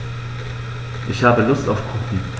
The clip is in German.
Ich habe Lust auf Kuchen.